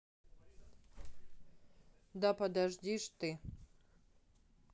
да подожди ж ты